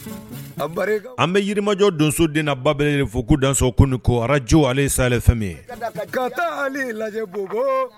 An bɛ yirimajɔ donso den ba bɛ fo kudso ko araj ale fɛn ye